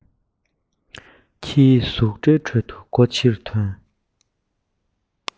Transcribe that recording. ཁྱིའི ཟུག སྒྲའི ཁྲོད དུ སྒོ ཕྱིར ཐོན